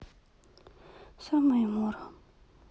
самое моро